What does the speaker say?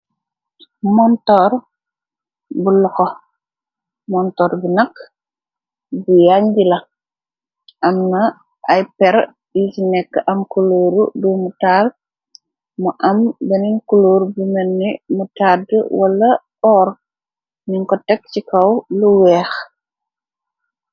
Montor bu loxo montor bi nakk bu yangila amna ay per yu si nekk am kuluuru dumu taal mu am benin kuluur bu menne mu tadda wala oor niñ ko tekg ci kaw lu weex.